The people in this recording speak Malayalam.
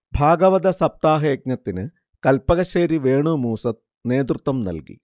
ഭാഗവത സപ്താഹ യജ്ഞത്തിന് കല്പകശ്ശേരി വേണു മൂസ്സത് നേതൃത്വം നൽകി